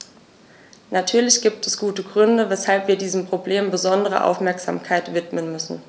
Natürlich gibt es gute Gründe, weshalb wir diesem Problem besondere Aufmerksamkeit widmen müssen.